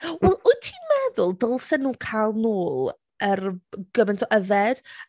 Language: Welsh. Wel, wyt ti'n meddwl dylsen nhw cael nôl yr gymaint o yfed?